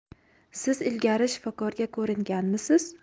siz ilgari shifokorga ko'ringanmisiz